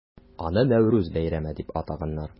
Аны Нәүрүз бәйрәме дип атаганнар.